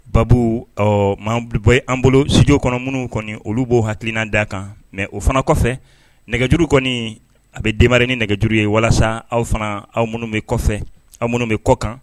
Ba ɔ ma bɔ anan bolo studi kɔnɔ minnu kɔni olu b'o hakilikiina d da a kan mɛ o fana kɔfɛ nɛgɛjuru kɔni a bɛ den ni nɛgɛjuru ye walasa aw fana aw minnu bɛ kɔfɛ aw minnu bɛ kɔkan